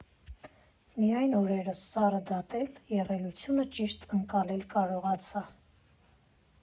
Միայն օրերս սառը դատել, եղելությունը ճիշտ ընկալել կարողացա։